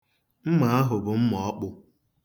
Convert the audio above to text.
Mma ahụ bụ mma ọkpụ.